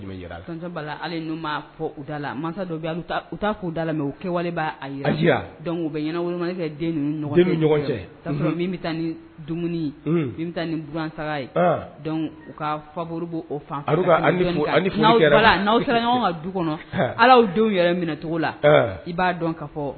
Dɔw k la mɛa u bɛ ɲɛna kɛ den ɲɔgɔn cɛ min bɛ taa ni dumuni taa ni bsa ye u ka fabo o fan n'aw ɲɔgɔn ka du kɔnɔ ala denw yɛrɛ minɛcogo la i b'a dɔn ka fɔ